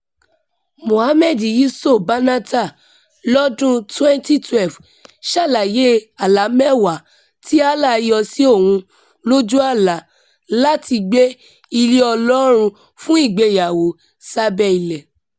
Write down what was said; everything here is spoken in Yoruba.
Mohammed Yiso Banatah lọ́dún-un 2012 ṣàlàyé àlá mẹ́wàá tí Allah yọ sí òun lójú àlá láti gbẹ́ ilé Ọlọ́run fún ìgbéyàwó sábẹ́ ilẹ̀.